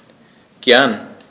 Gern.